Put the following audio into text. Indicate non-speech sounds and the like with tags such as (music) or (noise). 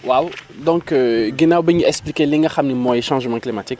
waaw (noise) donc ginnaaw bi ñu expliqué li nga xam ni mooy changement climatique